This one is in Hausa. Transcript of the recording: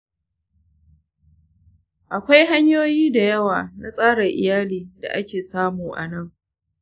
akwai hanyoyi da yawa na tsara iyali da ake samu a nan.